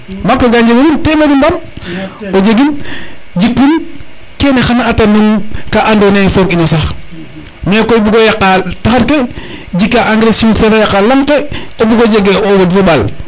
maak we ga njege gun temeri mbaam o jegin jikwin kene xana ata nong ka ando naye foog ino sax mais koy bugo yaqa taxar ke jeka engrais chimique fe na yaqa laŋ ke o bugo jeg o wod fo o ɓaal